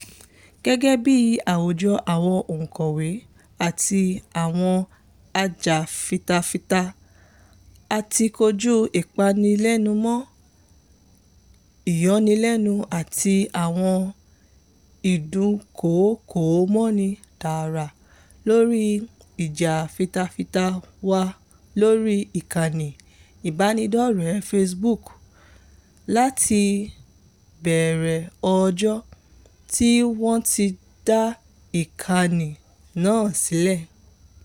Gẹ́gẹ́ bíi àwùjọ àwọn ọ̀ǹkọ̀wé àti àwọn ajàfitafita, a ti kojú ìpanilẹ́numọ́, ìyọnilẹ́nu àti àwọn ìdúnkòokòmọ́ni tààrà nítorí ìjàfitafita wa lórí ìkànnì ìbánidọ́rẹ̀ẹ́ Facebook láti ìbẹ̀rẹ̀ ọjọ́ tí wọ́n ti dá ìkànnì náà sílẹ̀.